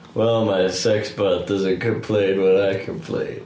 Well my sexbot doesn't complain when I complain.